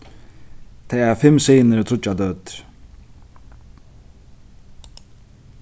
tey eiga fimm synir og tríggjar døtur